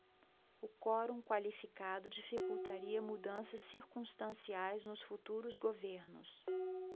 o quorum qualificado dificultaria mudanças circunstanciais nos futuros governos